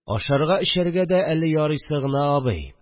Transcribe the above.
– ашарга-эчәргә дә әле ярыйсы гына, абый